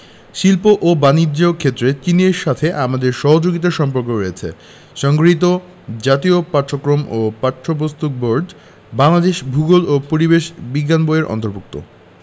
শিল্প ও বানিজ্য ক্ষেত্রে চীনের সাথে আমাদের সহযোগিতার সম্পর্কও রয়েছে সংগৃহীত জাতীয় শিক্ষাক্রম ও পাঠ্যপুস্তক বোর্ড বাংলাদেশ ভূগোল ও পরিবেশ বিজ্ঞান বই এর অন্তর্ভুক্ত